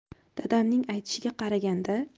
dadamning aytishiga qaraganda